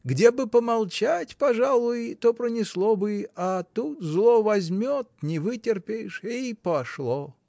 Где бы помолчать, пожалуй, и пронесло бы, а тут зло возьмет, не вытерпишь, и пошло!